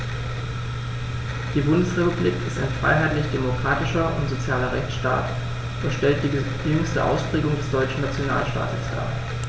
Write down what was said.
Die Bundesrepublik ist ein freiheitlich-demokratischer und sozialer Rechtsstaat und stellt die jüngste Ausprägung des deutschen Nationalstaates dar.